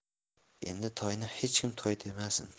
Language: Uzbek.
endi toyni hech kim toy demasin